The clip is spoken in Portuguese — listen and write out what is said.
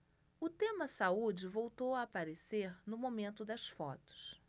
o tema saúde voltou a aparecer no momento das fotos